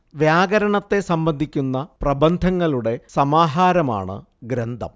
വ്യാകരണത്തെ സംബന്ധിക്കുന്ന പ്രബന്ധങ്ങളുടെ സമാഹാരമാണ് ഗ്രന്ഥം